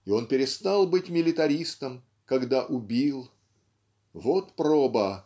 и он перестал быть милитаристом когда убил вот проба